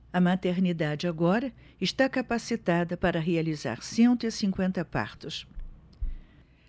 a maternidade agora está capacitada para realizar cento e cinquenta partos